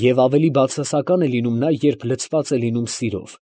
Եվ ավելի բացասական է լինում նա, երբ լցված է լինում սիրով։